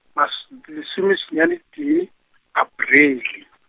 mas-, lesome senyane tee , Aprele.